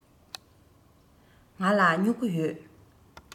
ང ལ སྨྱུ གུ ཡོད